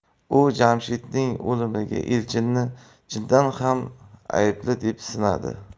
u jamshidning o'limida elchinni chindan ham aybli deb sanadi